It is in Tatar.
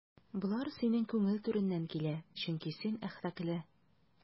Болар синең күңел түреннән килә, чөнки син әхлаклы.